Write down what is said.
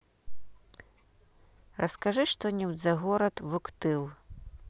расскажи что нибудь за город вуктыл